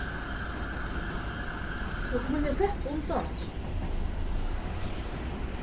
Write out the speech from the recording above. okur munnu sleppa undan hasum